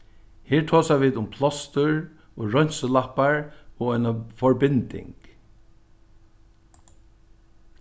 her tosa vit um plástur og reinsilappar og eina forbinding